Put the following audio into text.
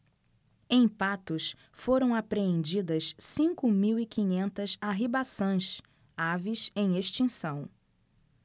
em patos foram apreendidas cinco mil e quinhentas arribaçãs aves em extinção